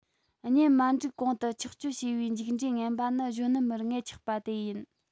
གཉེན མ སྒྲིག གོང དུ ཆགས སྤྱོད བྱས པའི མཇུག འབྲས ངན པ ནི གཞོན ནུ མར མངལ ཆགས པ དེ ཡིན